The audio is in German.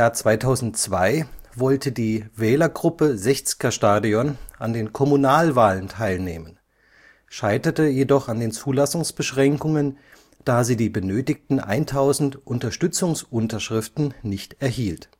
2002 wollte die Wählergruppe Sechzgerstadion an den Kommunalwahlen teilnehmen, scheiterte jedoch an den Zulassungsbeschränkungen, da sie die benötigten 1.000 Unterstützungsunterschriften nicht erhielt